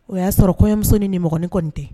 O y'a sɔrɔ kɔ kɔɲɔmusosonin ni min kɔn tɛ